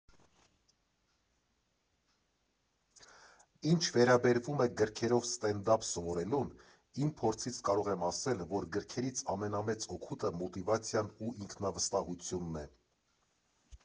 Ինչ վերաբերում է գրքերով ստենդափ սովորելուն, իմ փորձից կարող եմ ասել, որ գրքերից ամենամեծ օգուտը մոտիվացիան ու ինքնավստահությունն է։